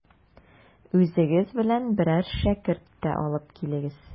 Үзегез белән берәр шәкерт тә алып килегез.